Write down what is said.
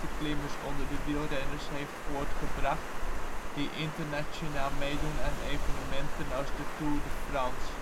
klimmers onder de wielrenners heeft voortgebracht die internationaal meedoen aan evenementen als de Tour de France